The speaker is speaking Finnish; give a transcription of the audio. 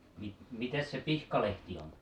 - mitäs se pihkalehti on